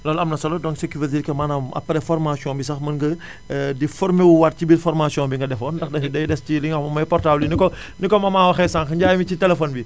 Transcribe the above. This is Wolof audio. loolu am na solo donc ce qui veut dire que maanaam après formation bi sax mën nga di formewuwaat ci biir formatiion bi nga defoon ndax day des ci li nga xam ne moom mooy portable yi ni ko maman waxee sànq njaay mi ci téléphone bi